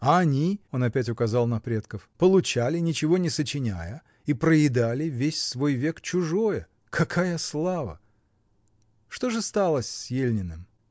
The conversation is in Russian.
А они, — он опять указал на предков, — получали, ничего не сочиняя, и проедали весь свой век чужое — какая слава!. Что же сталось с Ельниным?